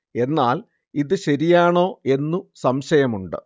എന്നാല്‍ ഇതു ശരിയാണോ എന്നു സംശയമുണ്ട്